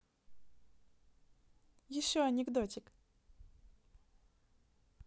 еще анекдотик